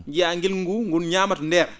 jiyaa ngilngu nguu ngun ñaama to ndeer